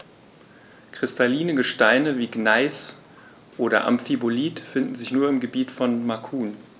Kristalline Gesteine wie Gneis oder Amphibolit finden sich nur im Gebiet von Macun.